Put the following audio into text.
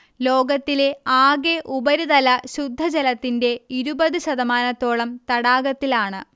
ലോകത്തിലെ ആകെ ഉപരിതല ശുദ്ധജലത്തിന്റെ ഇരുപത് ശതമാനത്തോളം തടാകത്തിലാണ്